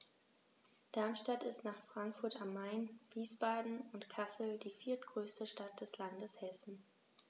Darmstadt ist nach Frankfurt am Main, Wiesbaden und Kassel die viertgrößte Stadt des Landes Hessen